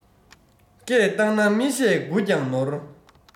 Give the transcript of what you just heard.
སྐད བཏང ན མི བཤད དགུ ཀྱང ནོར